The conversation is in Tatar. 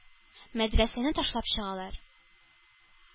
Мәдрәсәне ташлап чыгалар.